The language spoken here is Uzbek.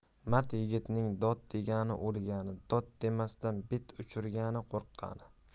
mard yigitning dod degani o'lgani dod demasdan bet uchirgani qo'rqqani